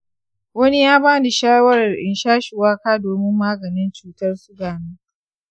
wani ya bani shawarar in sha shuwaka domin maganin cutar sugana.